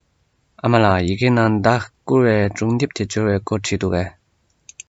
ཨ མ ལགས ཡི གེ ནང ཟླ བསྐུར བའི སྒྲུང དེབ དེ འབྱོར བའི སྐོར བྲིས འདུག གས